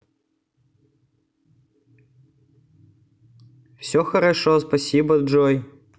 все хорошо спасибо джой